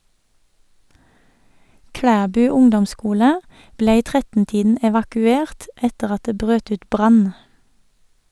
Klæbu ungdomsskole ble i 13-tiden evakuert etter at det brøt ut brann.